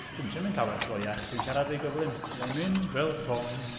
Dwi'm isie mynd llawer cloiach. Dwi'n siarad rhy gyflym. Fydda i'n mynd fel bong.